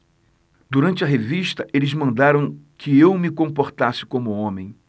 durante a revista eles mandaram que eu me comportasse como homem